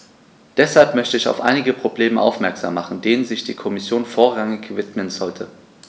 Deshalb möchte ich auf einige Probleme aufmerksam machen, denen sich die Kommission vorrangig widmen sollte.